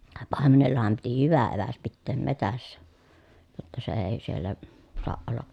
paimenellahan piti hyvä eväs pitää metsässä jotta se ei siellä saa olla